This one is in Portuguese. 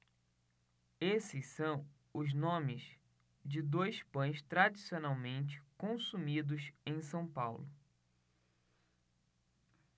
esses são os nomes de dois pães tradicionalmente consumidos em são paulo